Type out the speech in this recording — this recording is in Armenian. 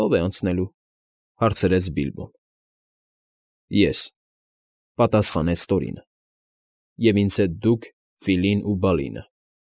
Ո՞վ է անցնելու,֊ հարցրեց Բիլբոն։ ֊ Ես,֊ պատասխանեց Տորինը,֊ և ինձ հետ՝ դուք, Ֆիլին ու Բալինը։